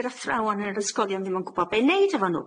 'Di'r athrawon yn yr ysgolion ddim yn gwbo be' i neud efo n'w.